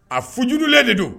A fujlen de don